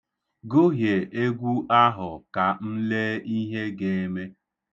Gụhie egwu ahụ ka m lee ihe ga-eme.